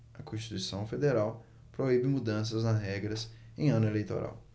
a constituição federal proíbe mudanças nas regras em ano eleitoral